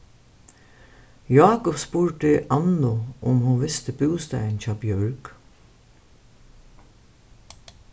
jákup spurdi annu um hon visti bústaðin hjá bjørg